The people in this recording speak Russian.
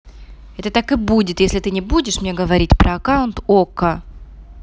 это так и будет если ты не будешь мне говорить про аккаунт okko